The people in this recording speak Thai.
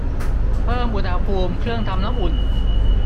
เพิ่มอุณหภูมิเครื่องทำน้ำอุ่น